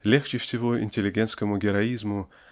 Легче всего интеллигентскому героизму